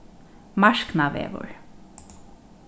marknavegur